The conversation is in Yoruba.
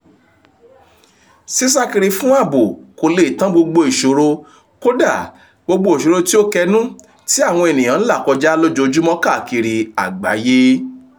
Sísá kiri fún ààbò kò lè tán gbogbo ìṣòro -- kódà gbogbo ìṣòro tí ó kẹnú -- tí àwọn ènìyàn ń là kọjá lójoojúmọ́ kaakiri agbàayé.